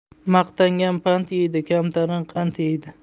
maqtangan pand yeydi kamtarin qand yeydi